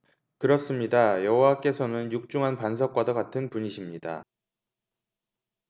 그렇습니다 여호와께서는 육중한 반석과도 같은 분이십니다